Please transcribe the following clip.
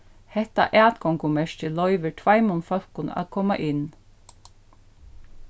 hetta atgongumerkið loyvir tveimum fólkum at koma inn